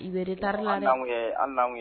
I bɛ retard la dɛ, hali n'an tun ye, hali n'an